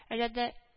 Әле дә